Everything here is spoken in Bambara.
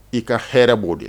I ka hɛrɛɛ b'o de